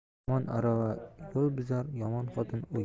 yomon arava yo'l buzar yomon xotin uy